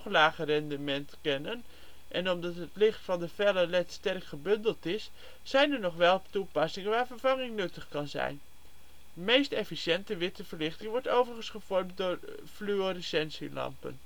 lager rendement kennen, en omdat het licht van de felle leds sterk gebundeld is, zijn er nog wel toepassingen waar vervanging nuttig kan zijn. De meest efficiënte witte verlichting wordt overigens gevormd door fluorescentielampen